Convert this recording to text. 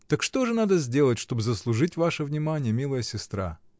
Так что же надо сделать, чтоб заслужить ваше внимание, милая сестра?